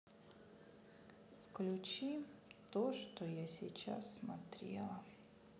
включи то что я сейчас смотрела